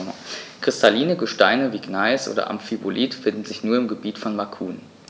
Kristalline Gesteine wie Gneis oder Amphibolit finden sich nur im Gebiet von Macun.